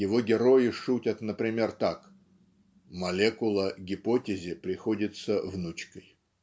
его герои шутят, например, так: молекула гипотезе приходится внучкой.